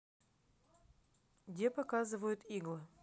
где показывают иглы